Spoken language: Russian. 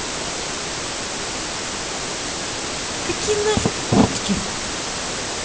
какие нафиг куртки